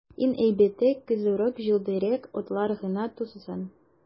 Иң әйбәте, кызурак җилдерик, атлар гына түзсен.